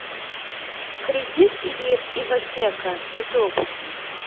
кредит или ипотека ютуб